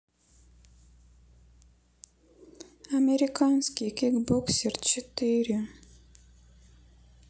американский кикбоксер четыре